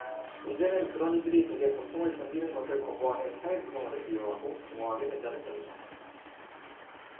문제는 그런 이들이 대개 고통을 견디는 것을 거부하는 사회 구성원을 미워하고 증오하게 된다는 점이다